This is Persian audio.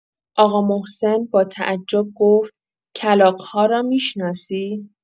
آقا محسن با تعجب گفت: «کلاغ‌ها را می‌شناسی؟!»